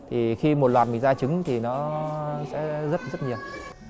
thì khi một loạt mình ra trứng thì nó sẽ rất rất nhiều